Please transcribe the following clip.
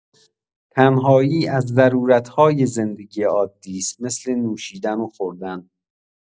تنهایی از ضرورت‌های زندگی عادی است، مثل نوشیدن و خوردن!